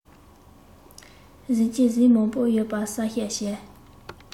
གཟིག གཅན གཟན མང པོ ཡོད པ གསལ བཤད བྱས